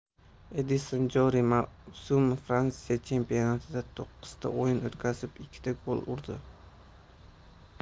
edinson joriy mavsum fransiya chempionatida to'qqizta o'yin o'tkazib ikkita gol urdi